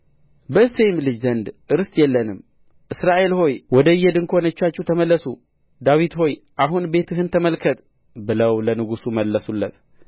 በእሴይም ልጅ ዘንድ ርስት የለንም እስራኤል ሆይ ወደ እየድንኳኖቻችሁ ተመለሱ ዳዊት ሆይ አሁን ቤትህን ተመልከት ብለው ለንጉሡ መለሱለት